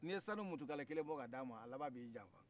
n'i ye sanu mutukale kelen bɔ k'a d'a ma a laban b'e janfa